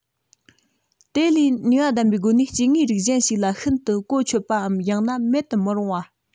དེ ལས ནུས པ ལྡན པའི སྒོ ནས སྐྱེ དངོས གཞན ཞིག ལ ཤིན ཏུ གོ ཆོད པའམ ཡང ན མེད དུ མི རུང བ